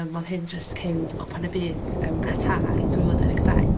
Oedd hyn jyst cyn Cwpan y Byd yn Qatar 2022.